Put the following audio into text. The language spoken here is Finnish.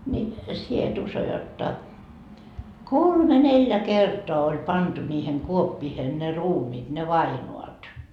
niin sinä et usko jotta kolme neljä kertaa oli pantu niihin kuoppiin ne ruumiit ne vainajat